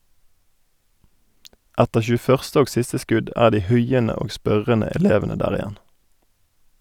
Etter 21. og siste skudd er de huiende og spørrende elevene der igjen.